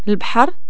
لبحر